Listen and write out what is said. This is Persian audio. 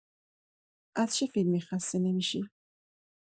از چه فیلمی خسته نمی‌شی؟